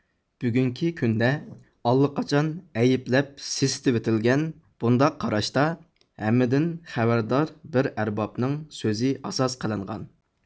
بۈگۈنكى كۈندە ئاللىقاچان ئەيىبلەپ سېسىتىۋېتىلگەن بۇنداق قاراشتا ھەممىدىن خەۋەردار بىر ئەربابنىڭ سۆزى ئاساس قىلىنغان